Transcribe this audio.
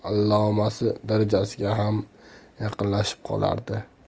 zamon allomasi darajasiga ham yaqinlashib qolardi